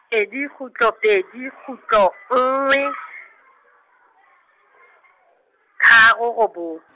pedi kgutlo pedi kgutlo nngwe , tharo robong .